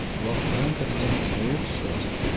quloqdan kirgan sovuq so'z